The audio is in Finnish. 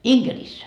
Inkerissä